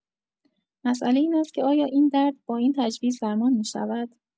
مساله این است که آیا این درد با این تجویز درمان می‌شود؟